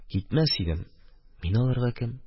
Китмәс идем, мин аларга кем?